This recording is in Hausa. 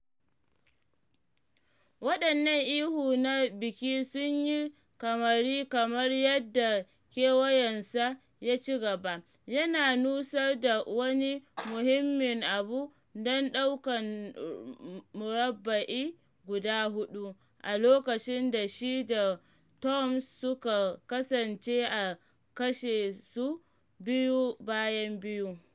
Waɗannan ihu na biki sun yi kamari kamar yadda kewayansa ya ci gaba, yana nutsar da wani muhimmin abu don daukan murabba’i guda huɗu a lokacin da shi da Thomas suka kasance a kashe su biyu bayan biyun.